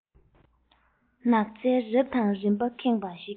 ནགས ཚལ རབ དང རིམ པས ཁེངས པ ཞིག